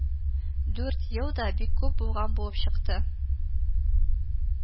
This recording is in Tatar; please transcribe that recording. Дүрт ел да бик күп булган булып чыкты